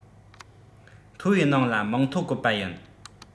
མཐོ བའི ནང ལ མིང ཐོ བཀོད པ ཡིན